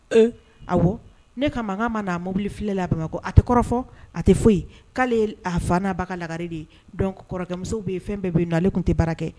Ee Awɔ, ne ka ma, ka ma na mobili filɛ la Bamakɔ, a tɛ kɔrɔfɔ, a tɛ foyi, k'ale ye a fa n'a ba ka lagare de ye donc kɔrɔkɛmuso bɛ ye fɛn bɛɛ bɛ yen nɔn, ale tun tɛ baara kɛ.